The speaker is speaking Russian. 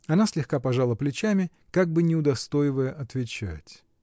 Она слегка пожала плечами, как бы не удостоивая отвечать.